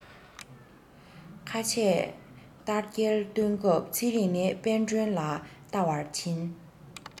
ཁ ཆད ལྟར རྒྱལ སྟོན སྐབས ཚེ རིང ནི དཔལ སྒྲོན ལ བལྟ བར ཕྱིན